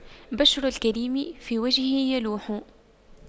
بِشْرُ الكريم في وجهه يلوح